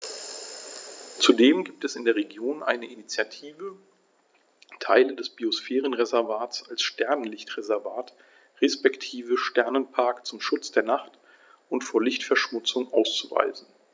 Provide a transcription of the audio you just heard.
Zudem gibt es in der Region eine Initiative, Teile des Biosphärenreservats als Sternenlicht-Reservat respektive Sternenpark zum Schutz der Nacht und vor Lichtverschmutzung auszuweisen.